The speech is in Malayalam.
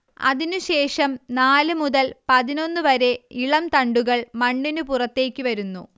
അതിനു ശേഷം നാലു മുതൽ പതിനൊന്നു വരെ ഇളം തണ്ടുകൾ മണ്ണിനു പുറത്തേക്കു വരുന്നു